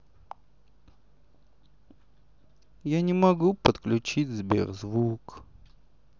я не могу подключить сберзвук